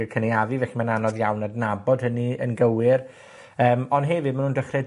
y cynaeafu, felly ma'n anodd iawn adnabod hynny yn gywir, yym, ond hefyd, ma' nw'n dechre,